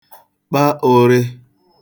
kpa ụ̄rị̄